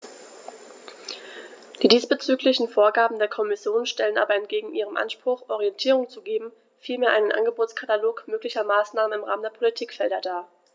Die diesbezüglichen Vorgaben der Kommission stellen aber entgegen ihrem Anspruch, Orientierung zu geben, vielmehr einen Angebotskatalog möglicher Maßnahmen im Rahmen der Politikfelder dar.